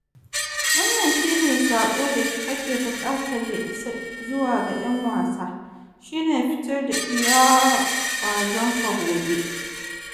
Wannan shi ne saƙo da kake buƙatar ya isa zuwa ga 'yan wasa, shi ne fitar da iya kwazon ka gobe.